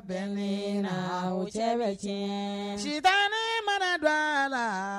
Den la cɛ bɛ tiɲɛ sutan mana dɔ a la